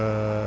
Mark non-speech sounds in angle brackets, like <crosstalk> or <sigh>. <hesitation> <hesitation>